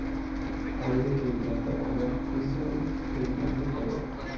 oyda kelganga oyoq kunda kelganga tayoq